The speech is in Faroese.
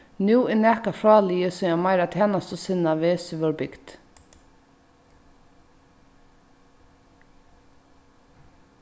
nú er nakað fráliðið síðan meira tænastusinnað vesi vórðu bygd